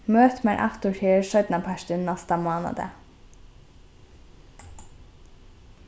møt mær aftur her seinnapartin næsta mánadag